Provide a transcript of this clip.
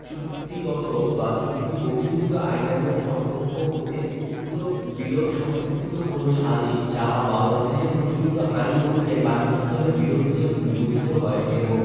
চুক্তিগত বা চুক্তিবহির্ভুত আইনানুগ সম্পর্ক হইতে উদ্ভুত বিরোধ সম্পর্কিত কোন সালিস যাহা বাংলাদেশের প্রচলিত আইন অনুযায়ী বাণিজ্যিক বিরোধ হিসাবে বিবেচিত হয় এবং